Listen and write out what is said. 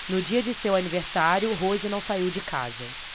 no dia de seu aniversário rose não saiu de casa